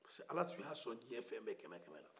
pariseke ala tun y'a sɔn diɲɛ fɛnbɛ kemɛ kɛmɛ la